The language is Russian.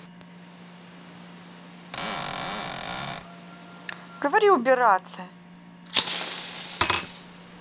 говори убираться